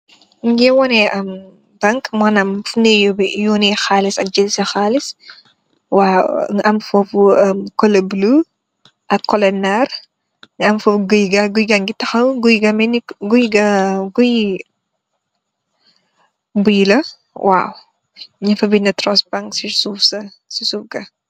Ñu gee wane"bank", maanam fi ñuy yööne xaalis ak jël si xaalis, waaw. Nga am kola buluu, ak kola ñaar. Yaañg fa am guy. Guy gaa ngi melni, guy i buy la, waaw. Ñuñg fa bindë "Trust Bank" si suuf gë.